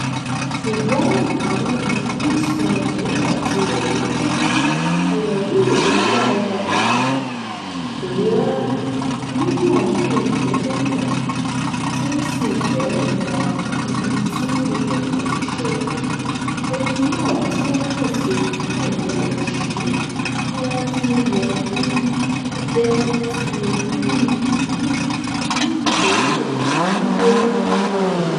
Ṣùgbọ́n àwọn orísun mìíràn tilẹ̀ wí pé ọ̀rọ̀ yóò yanjú ara rẹ̀, "kò le rárá, inú kàn ń bí Olùgbẹ́jọ́ náà ni tí ó sì fẹ́ mọ ibi tí ọ̀rọ̀ ti ṣẹ̀ wá, ẹni náà tí ó pèsè fáìlì aláṣìírí-ńlá tí ó yẹ kí ó jẹ́ ti olórí ìlú náà, ní àjọ olóòtú Nouveau Courrier.